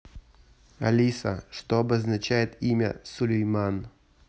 алиса что обозначает имя сулейман